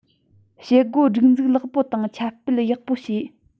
བྱེད སྒོ སྒྲིག འཛུགས ལེགས པོ དང ཁྱབ སྤེལ ལེགས པོ བྱས